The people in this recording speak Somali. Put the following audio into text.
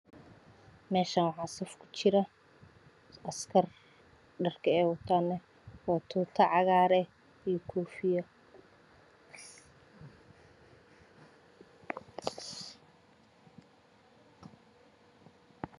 Meeshaan waxaa saf ku jiro askar dharka ay wataan waaa tuuto iyo koofi yar